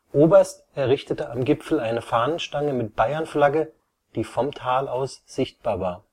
Oberst errichtete am Gipfel eine Fahnenstange mit Bayern-Flagge, die vom Tal aus sichtbar war